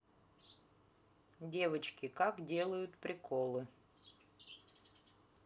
девочки как делают приколы